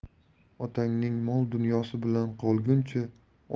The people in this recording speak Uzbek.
otangning mol dunyosi bilan qolguncha